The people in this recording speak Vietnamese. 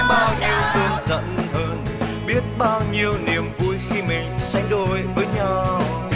bao nhiêu cơn giận hờn biết bao nhiêu niềm vui khi mình sánh đôi với nhau